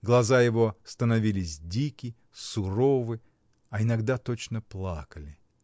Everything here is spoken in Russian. Глаза его становились дики, суровы, а иногда точно плакали.